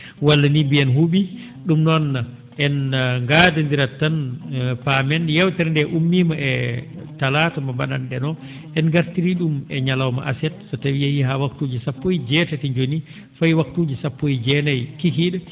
walla nii mbiyen huu?ii ?um noon en ngaadonndirat tan paamen yeewtere nde ummiima e talaata mo mba?atno ?en oo en ngartirii ?um e ñalawma aset so tawii yehii haa waktuuji sappo e jeetati njonii fayi waktuuji sappo e jeenayi kiikii?e